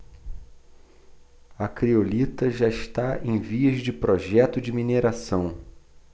a criolita já está em vias de projeto de mineração